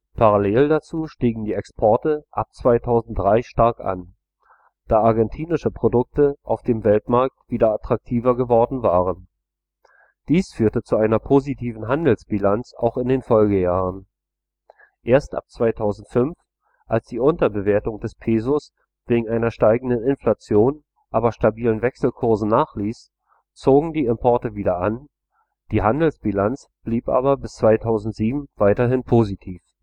Parallel dazu stiegen die Exporte ab 2003 stark an, da argentinische Produkte auf dem Weltmarkt wieder attraktiver geworden waren. Dies führte zu einer positiven Handelsbilanz auch in den Folgejahren. Erst ab 2005, als die Unterbewertung des Pesos wegen einer steigender Inflation, aber stabilen Wechselkursen nachließ, zogen die Importe wieder an; die Handelsbilanz blieb aber bis 2007 weiterhin positiv